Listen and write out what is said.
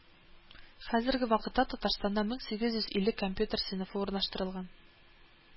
Хәзерге вакытта Татарстанда мең сигез йөз илле компьютер сыйныфы урнаштырылган